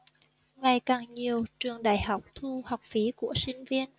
ngày càng nhiều trường đại học thu học phí của sinh viên